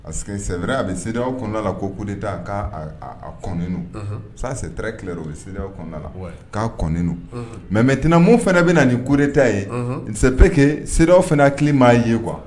Parce que sɛere a bɛ seere kɔnɔda la ko koe ta k' kɔ sa sɛtere tile bɛ seereda la k'a kɔn mɛ mɛtinamo fana bɛ na ni koeta ye sɛpke seerew fana tile mmaaa ye kuwa